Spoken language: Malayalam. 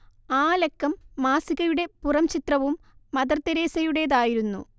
ആ ലക്കം മാസികയുടെ പുറംചിത്രവും മദർതെരേസയുടേതായിരുന്നു